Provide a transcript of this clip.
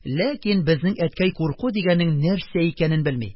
Ләкин безнең әткәй курку дигәннең нәрсә икәнен белми,